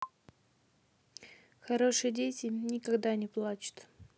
хорошие дети никогда не плачут